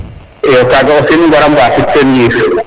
iyo kaga aussi nu mbara mbatid ten yiif